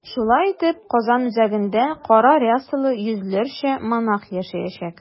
Шулай итеп, Казан үзәгендә кара рясалы йөзләрчә монах яшәячәк.